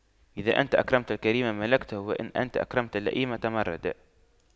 إذا أنت أكرمت الكريم ملكته وإن أنت أكرمت اللئيم تمردا